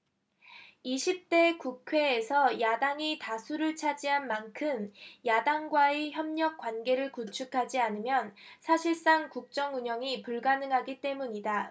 이십 대 국회에서 야당이 다수를 차지한 만큼 야당과의 협력관계를 구축하지 않으면 사실상 국정 운영이 불가능하기 때문이다